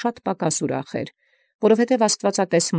Քանզի յԱստուծոյ։